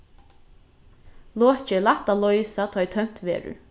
lokið er lætt at loysa tá ið tømt verður